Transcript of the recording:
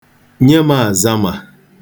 Nye m azama.